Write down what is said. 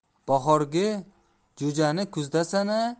bahorgi jo'jani kuzda sana